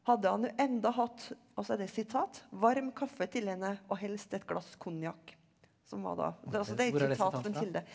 hadde han nå enda hatt og så er det sitat varm kaffe til henne og helst et glass konjakk, som var da altså det er et sitat fra en kilde.